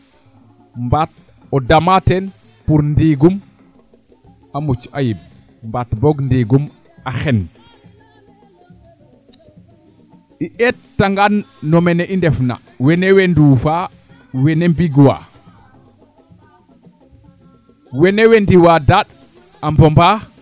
mbaat o dama teen pour ndiigum a muc ayib mbaat boog ndigum a xen i ndeeta ngaan no mene i ndef na wene wey nduufa wene mbing waa wene way ndiwa daand a mbomba